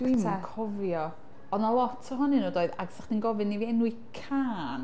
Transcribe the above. Dwi'm yn cofio, oedd 'na lot ohonyn nhw doedd, a 'sa chdi'n gofyn i fi enwi cân...